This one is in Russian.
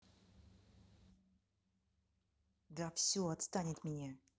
да все отстань от меня